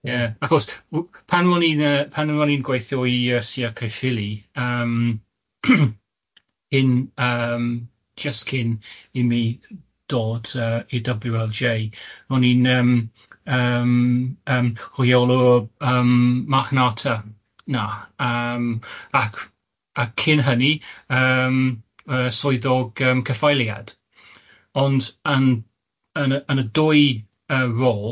Ie achos w- pan o'n i'n yy pan o'n i'n gweithio i yy Sir Caerphilly, yym yn yym jyst cyn i mi dod yy i double-you el jay, o'n i'n yym yym yym rheolwr yym marchnata na yym ac ac cyn hynny yym, yy swyddog yym cyffaeliad, ond yn yn y yn y dwy yy rôl,